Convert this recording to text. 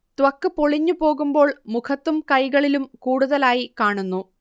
ത്വക്ക് പൊളിഞ്ഞു പോകുമ്പോൾ മുഖത്തും കൈകളിലും കൂടുതലായി കാണുന്നു